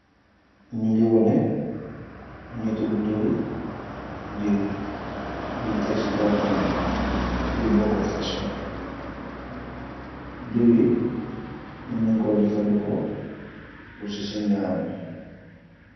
ñu ngi wone ñetti butëri diiw yuñ texsi kowtaabul yu bokku fason diiw yi mu nañ ko jëfandeko ursu siñ yarami